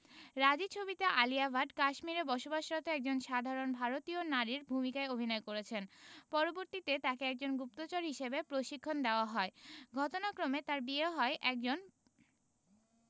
রাজী ছবিতে আলিয়া ভাট কাশ্মীরে বসবাসরত একজন সাধারন ভারতীয় নারীর ভূমিকায় অভিনয় করেছেন পরবর্তীতে তাকে একজন গুপ্তচর হিসেবে প্রশিক্ষণ দেওয়া হয় ঘটনাক্রমে তার বিয়ে হয় একজন